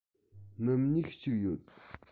སྣུམ སྨྱུག གཅིག ཡོད